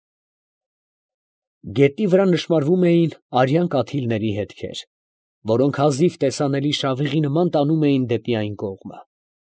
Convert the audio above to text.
Գետնի վրա նշմարվում էին արյան կաթիլների հետքեր, որոնք հազիվ տեսանելի շավիղի նման տանում էին դեպի այն կողմը։